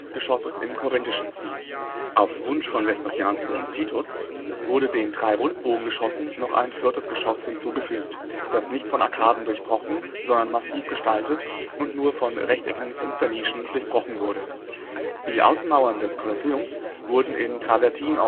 Geschosses im korinthischen Stil. Auf Wunsch von Vespasians Sohn Titus wurde den drei Rundbogengeschossen noch ein viertes Geschoss hinzugefügt, das nicht von Arkaden durchbrochen, sondern massiv gestaltet und nur von rechteckigen Fensternischen durchbrochen wurde. Die Außenmauern des Kolosseums wurden in Travertin ausgeführt